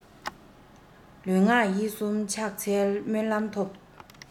ལུས ངག ཡིད གསུམ ཕྱག འཚལ སྨོན ལམ ཐོབ